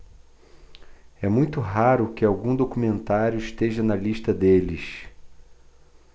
é muito raro que algum documentário esteja na lista deles